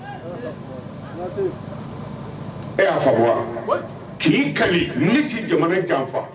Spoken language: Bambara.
Kpnatɛ, e y'a faamu wa? k'i n'i kale n'i tɛ jamana janfa!